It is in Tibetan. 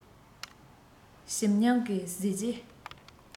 ཞིམ ཉམས ཀྱིས བཟས རྗེས